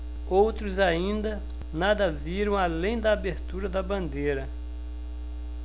outros ainda nada viram além da abertura da bandeira